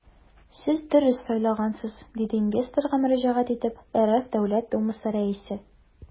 Сез дөрес сайлагансыз, - диде инвесторга мөрәҗәгать итеп РФ Дәүләт Думасы Рәисе.